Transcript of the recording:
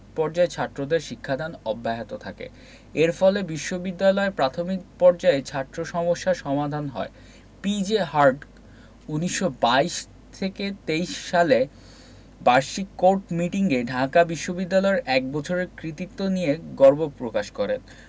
পর্যায়ের ছাত্রদের শিক্ষাদান অব্যাহত থাকে এর ফলে বিশ্ববিদ্যালয়ে প্রাথমিক পর্যায়ে ছাত্র সমস্যার সমাধান হয় পি.জে হার্ট ১৯২২ থেকে ২৩ সালে বার্ষিক কোর্ট মিটিং এ ঢাকা বিশ্ববিদ্যালয়ের এক বছরের কৃতিত্ব নিয়ে গর্ব প্রকাশ করেন